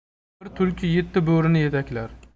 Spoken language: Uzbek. bir tulki yetti bo'rini yetaklar